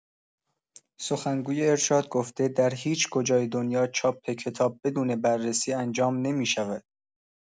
سخنگوی ارشاد گفته در هیچ‌کجای دنیا چاپ کتاب بدون بررسی انجام نمی‌شود!